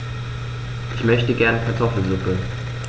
Ich möchte gerne Kartoffelsuppe.